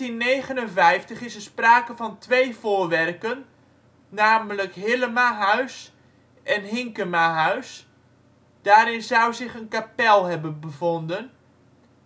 In 1459 is er sprake van twee voorwerken, namelijk Hillemahuis en Hinkemahuis (daarin zou zich een kapel hebben bevonden),